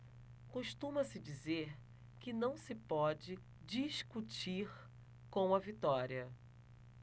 costuma-se dizer que não se pode discutir com a vitória